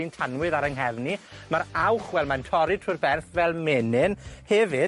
un tanwydd ar 'yn nghefn i. Ma'n awch- wel, mae'n torri trwy'r berth fel menyn. Hefyd